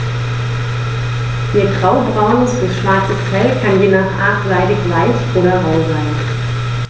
Ihr graubraunes bis schwarzes Fell kann je nach Art seidig-weich oder rau sein.